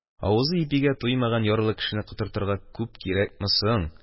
Авызы ипигә туймаган ярлы кешене котыртырга күп кирәкме соң!